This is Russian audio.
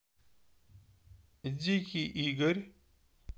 дикий игорь